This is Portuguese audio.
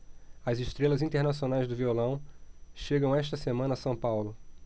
as estrelas internacionais do violão chegam esta semana a são paulo